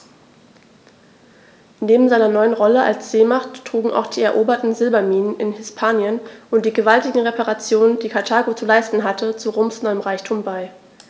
Neben seiner neuen Rolle als Seemacht trugen auch die eroberten Silberminen in Hispanien und die gewaltigen Reparationen, die Karthago zu leisten hatte, zu Roms neuem Reichtum bei.